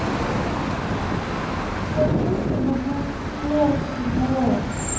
хочу чтобы был женский голос